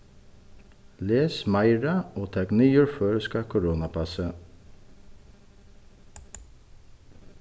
les meira og tak niður føroyska koronapassið